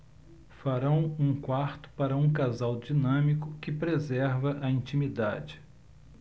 farão um quarto para um casal dinâmico que preserva a intimidade